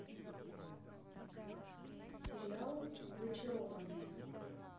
сериал зачарованные